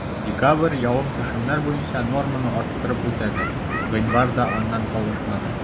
Декабрь явым-төшемнәр буенча норманы арттырып үтәде, гыйнвар да аннан калышмады.